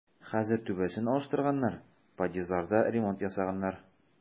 Хәзер түбәсен алыштырганнар, подъездларда ремонт ясаганнар.